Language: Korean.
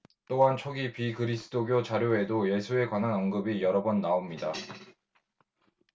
또한 초기 비그리스도교 자료에도 예수에 관한 언급이 여러 번 나옵니다